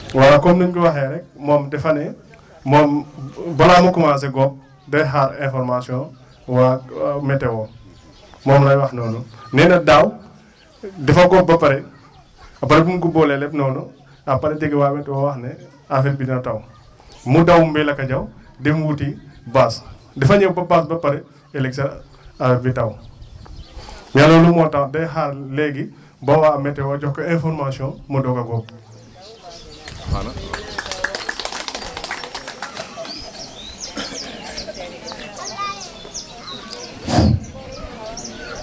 waaw comme ni ñu ko waxee rek moom dafa ne moom balaa moo commencé góob day xaar information waa waa météo moom lay wax noonu nee na daaw dafa góob ba pare après bi mu góobee lépp noonu après dégg waa météo wax ne affaire bi dana taw mu daw Mbeelakadiao dem wuti bâche dafa ñëw ba bâche ba pare ëllëg sa affaire bi taw nee na loolu moo tax day xaar léegi ba waa météo jox ko information mu door a góob